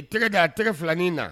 I tɛgɛ da, a tɛgɛ 2 nin na